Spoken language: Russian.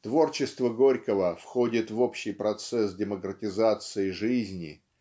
Творчество Горького входит в общий процесс демократизации жизни.